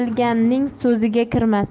bilganning so'ziga kirmas